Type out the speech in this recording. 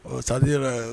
Ɔ sandi yɛrɛ